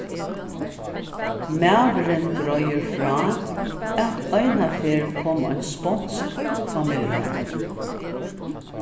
maðurin greiðir frá at einaferð kom ein sponsk familja